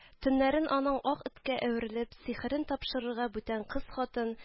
Төннәрен аның ак эткә әверелеп сихерен тапшырырга бүтән кыз-хатын